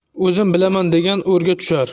o'zim bilaman degan o'rga tushar